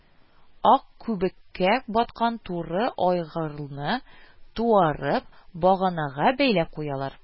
Ак күбеккә баткан туры айгырны, туарып, баганага бәйләп куялар